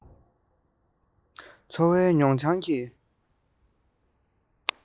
ཚོར བའི མྱོང བྱང གི